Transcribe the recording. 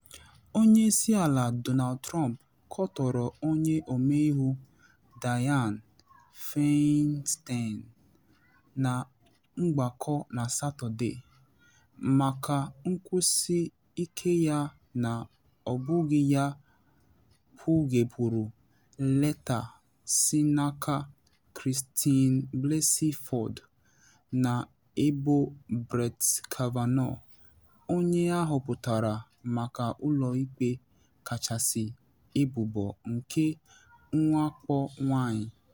Onye isi ala Donald Trump kọtọrọ Onye Ọmeiwu Dianne Feinstein na mgbakọ na Satọde maka nkwusi ike ya na ọ bụghị ya kpughepuru leta si n’aka Christine Blasey Ford na ebo Brett Kavanaugh onye ahọpụtara maka Ụlọ Ikpe Kachasị ebubo nke nwakpo nwanyị.